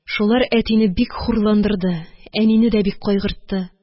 Шулар әтине бик хурландырды, әнине дә бик кайгыртты